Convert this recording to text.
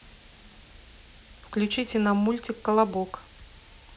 включите нам мультик колобок